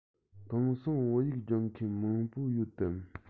དེང སང བོད ཡིག སྦྱོང མཁན མང པོ ཡོད དམ